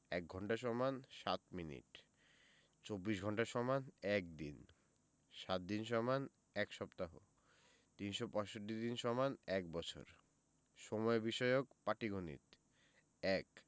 ১ঘন্টা = ৬০ মিনিট ২৪ ঘন্টা = ১ দিন ৭ দিন = ১ সপ্তাহ ৩৬৫ দিন = ১বছর সময় বিষয়ক পাটিগনিতঃ ১